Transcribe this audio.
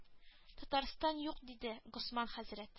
Татарстанда юк диде госман хәзрәт